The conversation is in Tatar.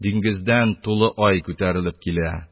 Диңгездән тулы ай күтәрелеп килә.